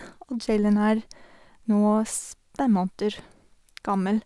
Og Jaylen er nå s fem måneder gammel.